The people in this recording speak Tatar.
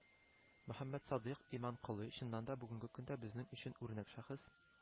Мөхәммәтсадыйк Иманколый, чыннан да, бүгенге көндә безнең өчен үрнәк шәхес